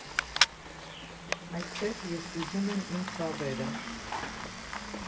«Այստեղ ես բուժում եմ իմ ցավերը»։